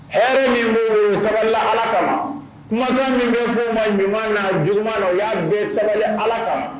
Hɛrɛ min b sabali ala kan kuma min bɛ fɔ'o ma ɲuman na juguuma na o y'a bɛ sabali ala kan